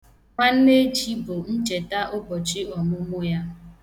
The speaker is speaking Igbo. Nwanneechi bụ ncheta ụbọchị ọmụmụ ya.